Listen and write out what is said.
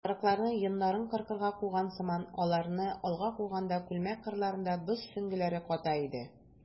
Сарыкларны йоннарын кыркырга куган сыман аларны алга куганда, күлмәк кырларында боз сөңгеләре ката иде.